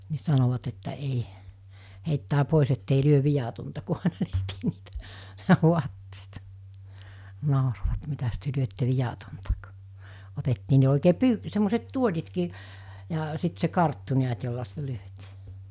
niin sanoivat että ei heittää pois että ei lyö viatonta kun aina tehtiin niitä vaatteita nauroivat mitäs te lyötte viatonta - otettiin ne oikein - semmoiset tuolitkin ja sitten se karttu näet jolla sitä lyötiin